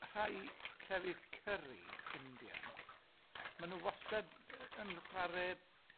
rhai llefydd curry Indian, ma' nw wastad yy yn chware